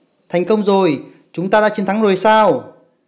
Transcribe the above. thành công rồi chúng ta đã thắng rồi sao